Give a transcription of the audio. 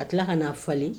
A tila ka naa falen